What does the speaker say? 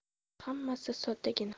hammasi soddagina edi